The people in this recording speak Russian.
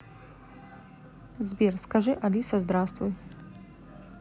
сбер скажи алиса здравствуй